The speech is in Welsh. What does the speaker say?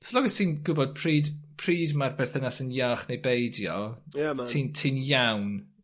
so long as ti'n gwbod pryd pryd ma'r perthynas yn iach neu beidio... Yeah man ti'n ti'n iawn.